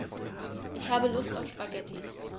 Ich habe Lust auf Spaghetti.